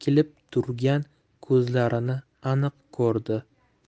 tikilib turgan ko'zlarini aniq ko'rdi